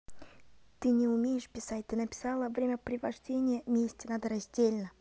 ты не умеешь писать ты написала времяпрепровождения вместе надо раздельно